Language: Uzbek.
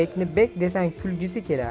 bekni bek desang kulgisi kelar